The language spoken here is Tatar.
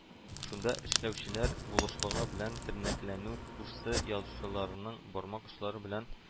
Шунда эшләүчеләр булышлыгы белән тернәкләнү курсы узучыларның бармак очлары белән